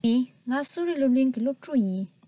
ཡིན ང གསོ རིག སློབ གླིང གི སློབ ཕྲུག ཡིན